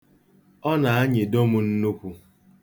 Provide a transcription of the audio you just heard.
Ọ na-anyịdo m nnukwu.